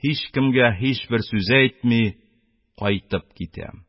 Һичбер кемгә сүз әйтми кайтып китәм.